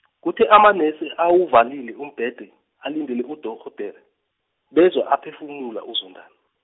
kuthe amanese awuvalile umbhede, alindele udorhodere, bezwa aphefumula uZondani.